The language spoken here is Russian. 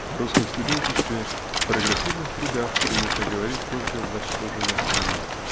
О русском студенчестве в прогрессивных кругах принято говорить только в восторженном тоне